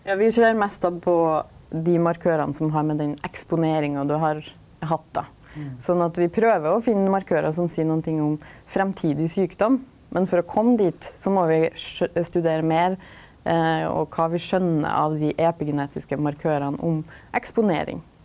ja vi ser mest då på dei markørane som har med den eksponeringa du har hatt då, sånn at vi prøver å finna markørar som seier nokon ting om framtidig sjukdom, men for å komma dit så må vi studera meir og kva vi skjønner av dei epigenetiske markørane om eksponering.